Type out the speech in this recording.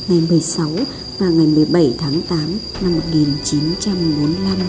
ngày và ngày tháng năm